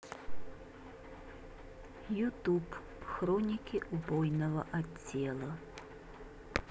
ютуб хроники убойного отдела